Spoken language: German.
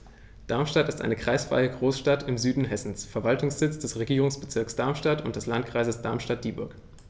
Darmstadt ist eine kreisfreie Großstadt im Süden Hessens, Verwaltungssitz des Regierungsbezirks Darmstadt und des Landkreises Darmstadt-Dieburg.